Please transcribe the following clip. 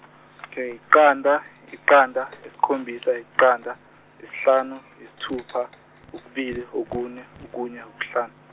yiqanda, yiqanda yisikhombisa yiqanda, yisihlanu yisithupha, kubili kune kune kuhlanu.